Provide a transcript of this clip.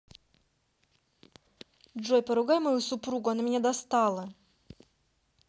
джой поругай мою супругу она меня достала